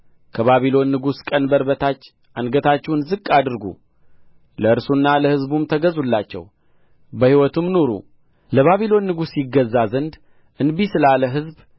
ከባቢሎን ንጉሥ ቀንበር በታች አንገታችሁን ዝቅ አድርጉ ለእርሱና ለሕዝቡም ተገዙላቸው በሕይወትም ኑሩ ለባቢሎን ንጉሥ ይገዛ ዘንድ እንቢ ስላለ ሕዝብ